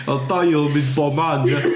Oedd dail mynd bobman ia.